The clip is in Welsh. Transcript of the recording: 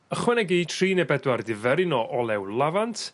ychwanegu tri ne' bedwar diferyn o olew lafant